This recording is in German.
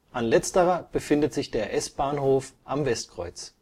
An letzterer befindet sich S-Bahnhof Am Westkreuz